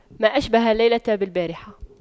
ما أشبه الليلة بالبارحة